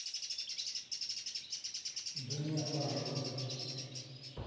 да нет пожалуй